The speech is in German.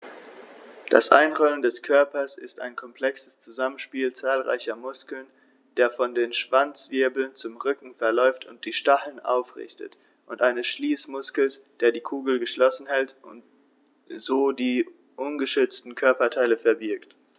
Das Einrollen des Körpers ist ein komplexes Zusammenspiel zahlreicher Muskeln, der von den Schwanzwirbeln zum Rücken verläuft und die Stacheln aufrichtet, und eines Schließmuskels, der die Kugel geschlossen hält und so die ungeschützten Körperteile verbirgt.